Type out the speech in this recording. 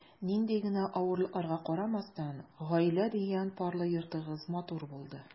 Нинди генә авырлыкларга карамастан, “гаилә” дигән парлы йортыгыз матур булды.